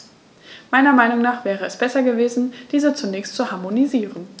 Meiner Meinung nach wäre es besser gewesen, diese zunächst zu harmonisieren.